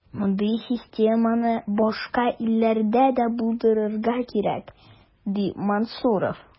Мондый системаны башка илләрдә дә булдырырга кирәк, ди Мансуров.